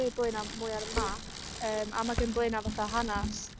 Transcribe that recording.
Bleuna mwy a'r y map yy a ma' gyn Bleuna fatha' hanas